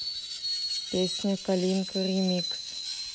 песня калинка ремикс